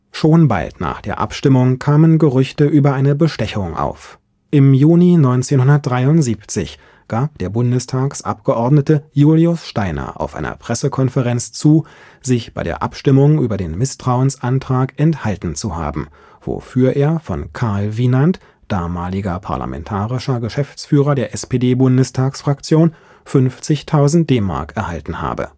Schon bald nach der Abstimmung kamen Gerüchte über eine Bestechung auf. Im Juni 1973 gab der Bundestagsabgeordnete Julius Steiner auf einer Pressekonferenz zu, sich bei der Abstimmung über den Misstrauensantrag enthalten zu haben, wofür er von Karl Wienand, damaliger Parlamentarischer Geschäftsführer der SPD-Bundestagsfraktion, 50.000 DM erhalten habe